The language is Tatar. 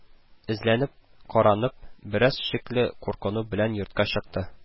Эзләнеп, каранып, бераз шикле куркыну белән йортка чыкты